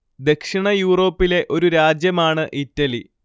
ദക്ഷിണ യൂറോപ്പിലെ ഒരു രാജ്യമാണ് ഇറ്റലി